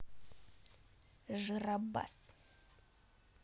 жиробас